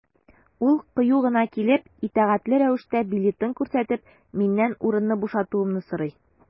Ул кыю гына килеп, итәгатьле рәвештә билетын күрсәтеп, миннән урынны бушатуымны сорый.